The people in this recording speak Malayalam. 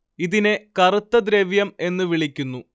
ഇതിനെ കറുത്ത ദ്രവ്യം എന്നു വിളിക്കുന്നു